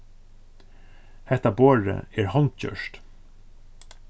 hetta borðið er hondgjørt